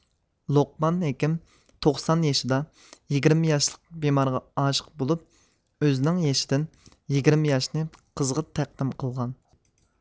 لوقمان ھېكىم توقسان يېشىدا يىگىرمە ياشلىق بىمارىغا ئاشىق بولۇپ ئۆزنىڭ يېشىدىن يىگىرمە ياشنى قىزغا تەقدىم قىلغان